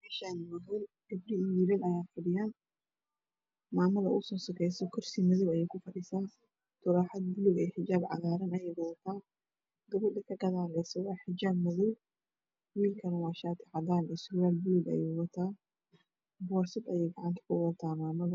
Meeshaani waa hool gabdho iyo wiilal ayaa fadhiyaan. Maamada ugu soo sukeyso kursi madow ayay kufadhisaa taraaxad buluug ah iyo xijaab cagaaran ayay wataa, gabadha kaga daaleysana waa xijaab madow, wiilkana waa shaati cadaan ah iyo surwaal madow ah ayuu wataa, boorso ayay gacanta ku wataa maamada.